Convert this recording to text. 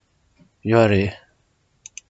ཡོད རེད